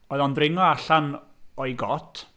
Oedd o'n dringo allan o'i got...